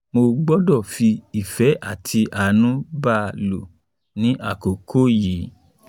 Mo gbọ́dọ̀ fi ìfẹ́ àti àánú ba lo ní àkókò yí.